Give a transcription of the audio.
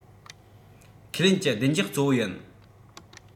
ཁས ལེན ཀྱི བདེ འཇགས གཙོ བོ ཡིན